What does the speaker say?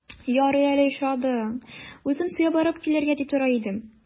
Ярый әле очрадың, үзем сезгә барып килергә дип тора идем.